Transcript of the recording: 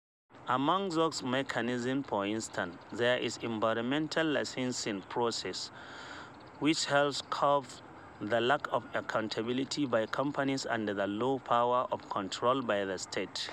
Among those mechanisms, for instance, there is the environmental licensing process, which helps curb the lack of accountability by companies and the low power of control by the State.